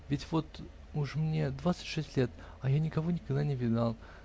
Ведь вот уж мне двадцать шесть лет, а я никого никогда не видал.